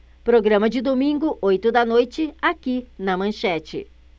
programa de domingo oito da noite aqui na manchete